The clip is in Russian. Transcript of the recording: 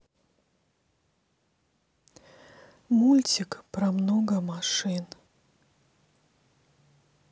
мультик про много машин